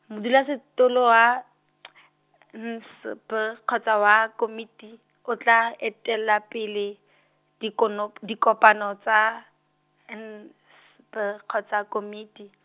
modulasetulo wa , N S B kgotsa wa komiti, o tla etelelapele , dikonop- dikopano tsa, N S B kgotsa komiti.